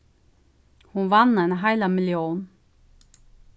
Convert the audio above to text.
hon vann eina heila millión